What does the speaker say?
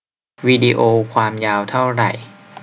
วิดีโอความยาวเท่าไหร่